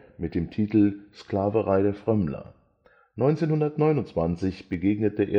mit dem Titel Кабала святош (Sklaverei der Frömmler). 1929 begegnete